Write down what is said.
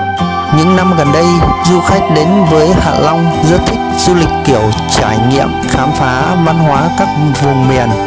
những năm gần đây du khách đến với hạ long rất thích du lịch kiểu trải nghiệm khám phá văn hóa các vùng miền